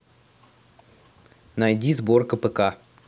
найди сборка пк